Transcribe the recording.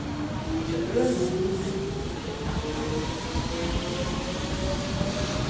og hjá øðrum hilnaðist ikki eftir ætlan